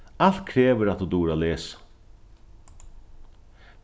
alt krevur at tú dugir at lesa